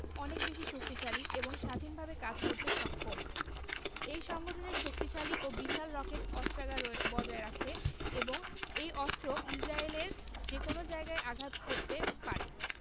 অনেক বেশি শক্তিশালী এবং স্বাধীনভাবে কাজ করতে সক্ষম এই সংগঠনের শক্তিশালী ও বিশাল রকেট অস্ত্রাগার বজায় রাখে এবং এই অস্ত্র ইসরায়েলের যেকোনো জায়গায় আঘাত করতে পারে